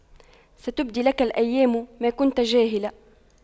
ستبدي لك الأيام ما كنت جاهلا